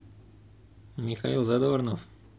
михаил задорнов